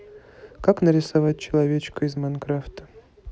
как нарисовать человечка из майнкрафта